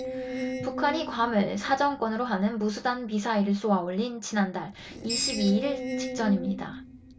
북한이 괌을 사정권으로 하는 무수단 미사일을 쏘아 올린 지난달 이십 이 일 직전입니다